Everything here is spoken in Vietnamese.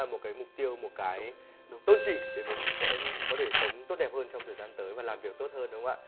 một cái mục tiêu một cái tôn chỉ để mình sẽ có thể sống tốt đẹp hơn trong thời gian tới và làm việc tốt hơn đúng không ạ